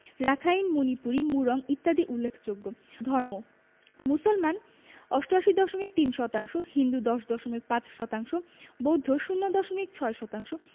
Rakhine Manipuri Murong ইত্যাদি উল্লেখযোগ্য ধর্ম মুসলমান ৮৮দশমিক ৩ শতাংশ হিন্দু ১০দশমিক ৫ শতাংশ বৌদ্ধ ০ দশমিক ৬ শতাংশ